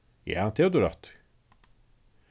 ja tað hevur tú rætt í